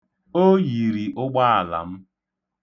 O yiri ụgbaala m.